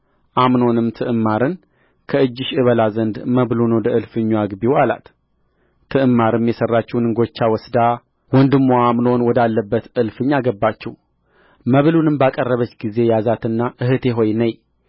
አምኖንም ትዕማርን ከእጅሽ እበላ ዘንድ መብሉን ወደ እልፍኙ አግቢው አላት ትዕማርም የሠራችውን እንጎቻ ወስዳ ወንድምዋ አምኖን ወዳለበት እልፍኝ አገባችው መብሉንም ባቀረበች ጊዜ ያዛትና እኅቴ ሆይ ነዪ